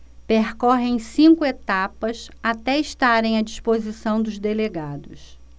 percorrem cinco etapas até estarem à disposição dos delegados